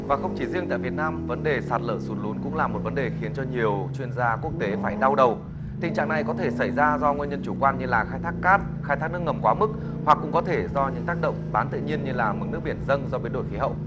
và không chỉ riêng tại việt nam vấn đề sạt lở sụt lún cũng là một vấn đề khiến cho nhiều chuyên gia quốc tế phải đau đầu tình trạng này có thể xảy ra do nguyên nhân chủ quan như là khai thác cát khai thác nước ngầm quá mức hoặc cũng có thể do những tác động bán tự nhiên như là mực nước biển dâng do biến đổi khí hậu